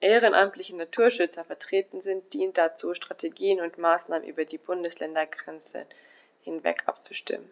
ehrenamtliche Naturschützer vertreten sind, dient dazu, Strategien und Maßnahmen über die Bundesländergrenzen hinweg abzustimmen.